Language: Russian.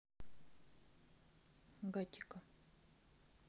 gatteka